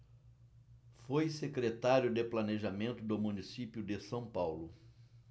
foi secretário de planejamento do município de são paulo